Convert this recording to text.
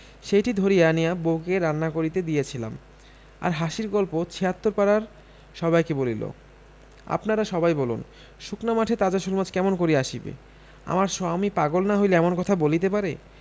সেইটি ধরিয়া আনিয়া বউকে রান্না করিতে দিয়াছিলাম আর হাসির গল্প ৭৬ পাড়ার সবাইকে বলিল আপনারা সবাই বলুন শুকনা মাঠে তাজা শোলমাছ কেমন করিয়া আসিবে আমার সোয়ামী পাগল না হইলে এমন কথা বলিতে পারে